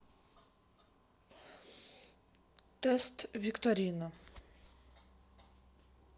тест викторина